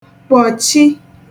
kpọ̀chi